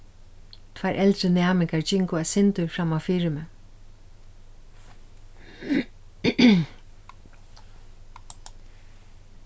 tveir eldri næmingar gingu eitt sindur framman fyri meg